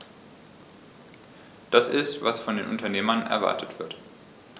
Das ist, was von den Unternehmen erwartet wird.